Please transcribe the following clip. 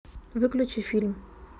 выключи фильм